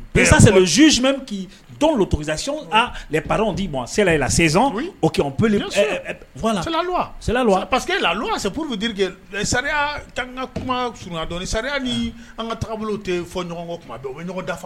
Vincent c'est le juge même qui donne l'autorisation à les parents on dit ça celle-là elle a 16 ans, oui, auquel on peut, c'est la loi, parce que lla loi c'est pour vous dire que sariya t'an n ka kuma surunya dɔɔnin sariya ni an ka tagabolow tɛ fɔ ɲɔgɔn o kɔ tuma bɛɛ o u bɛ ɲɔgɔn da